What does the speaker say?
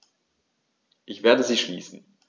Ich werde sie schließen.